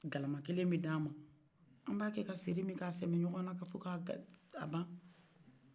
galama kelen bɛ d'a man a b'a kɛ ka seri min k'a sɛmɛ ɲɔgɔna k'a ban